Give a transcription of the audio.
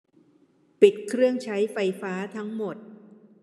ปิดเครื่องใช้ไฟฟ้าทั้งหมด